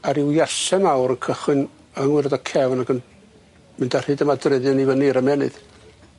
a ryw iase mawr yn cychwyn yng ngwyrdd y cefn ag yn mynd ar hyd y madryddion i fyny i'r ymennydd.